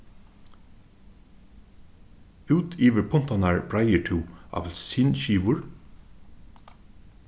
út yvir puntarnar breiðir tú appilsinskivur